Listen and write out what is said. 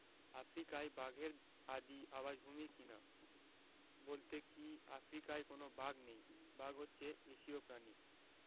আফ্রিকাই বাঘের আদি আবাসভূমি কি না বলতে কী আফ্রিকায় কোনো বাঘ নেই বাঘ হচ্ছে এশীয় প্রাণী